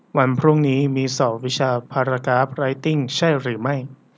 วันพรุ่งนี้มีสอบวิชาพารากราฟไรท์ติ้งใช่หรือไม่